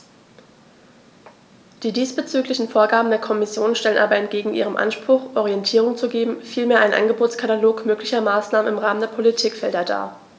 Die diesbezüglichen Vorgaben der Kommission stellen aber entgegen ihrem Anspruch, Orientierung zu geben, vielmehr einen Angebotskatalog möglicher Maßnahmen im Rahmen der Politikfelder dar.